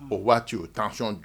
O waati oo tanc